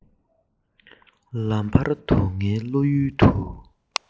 ལམ བར དུ ངའི བློ ཡུལ དུ